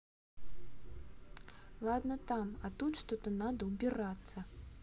ладно там а тут что надо убираться